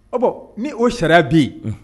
O ni o sariya bɛ yen